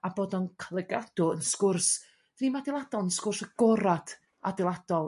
A bod o'n ca'l 'i gadw yn sgwrs ddim adeilad- on' sgwrs agorad adeiladol